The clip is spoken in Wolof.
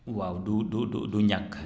waaw du du du du ñàkk